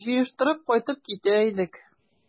Җыештырып кайтып китә идек...